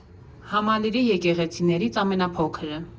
Համալիրի եկեղեցիներից ամենափոքրը։